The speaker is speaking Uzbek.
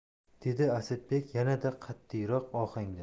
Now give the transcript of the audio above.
dedi asadbek yanada qat'iyroq ohangda